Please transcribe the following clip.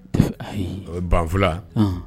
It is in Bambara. Ayii. Ɛ banfula. Ɔhɔn.